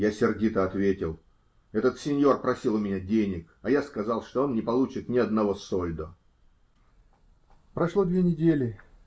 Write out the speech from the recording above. Я сердито ответил: -- Этот синьор просил у меня денег, а я сказал, что он не получит ни одного сольдо!. *** Прошло две недели.